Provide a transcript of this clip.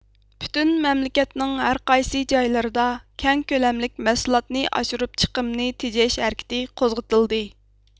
پۈتۈن مەملىكەتنىڭ ھەرقايسى جايلىرىدا كەڭ كۆلەملىك مەھسۇلاتنى ئاشۇرۇپ چىقىمنى تېجەش ھەرىكىتى قوزغىتىلدى